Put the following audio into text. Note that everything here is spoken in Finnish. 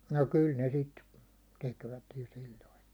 no kyllä ne sitä tekivät jo silloin